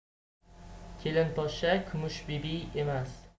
kelin poshsha kumushbibi emas